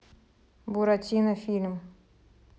буратино фильм